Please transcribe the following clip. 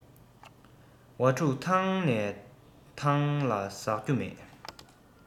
ཝ ཕྲུག ཐང ནས ཐང ལ ཟག རྒྱུ མེད